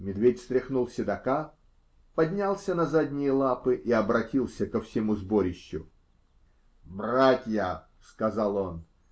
Медведь стряхнул седока, поднялся на задние лапы и обратился ко всему сборищу: -- Братья! -- сказал он.